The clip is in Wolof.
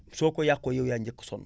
soo ko yàqoo yow yaa njëkk a sonn